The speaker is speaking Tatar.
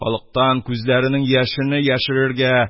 Халыктан күзләренең яшене яшерергә